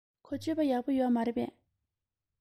ཁོའི སྤྱོད པ ཡག པོ ཡོད མ རེད པས